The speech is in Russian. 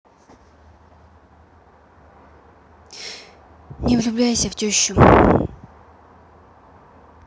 не влюбляйся в тещу